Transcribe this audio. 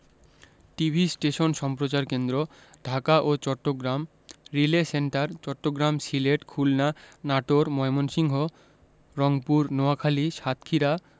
TV station সম্প্রচার কেন্দ্রঃ ঢাকা ও চট্টগ্রাম রিলে সেন্টার চট্টগ্রাম সিলেট খুলনা নাটোর ময়মনসিংহ রংপুর নোয়াখালী সাতক্ষীরা